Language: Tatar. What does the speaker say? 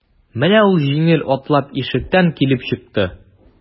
Менә ул җиңел атлап ишектән килеп чыкты.